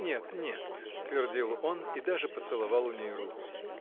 — Нет, нет, — твердил он и даже поцеловал у ней руку.